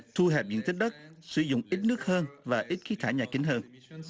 thu hẹp diện tích đất sử dụng ít nước hơn và ít khí thải nhà kính hơn